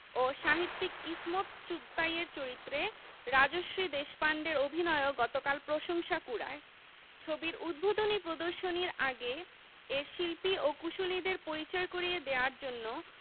ও সাহিত্যিক ইসমত চুগতাইয়ের চরিত্রে রাজশ্রী দেশপান্ডের অভিনয়ও গতকাল প্রশংসা কুড়ায় ছবির উদ্বোধনী প্রদর্শনীর আগে এর শিল্পী ও কুশলীদের পরিচয় করিয়ে দেয়ার জন্য